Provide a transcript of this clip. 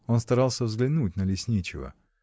Он старался взглянуть на лесничего.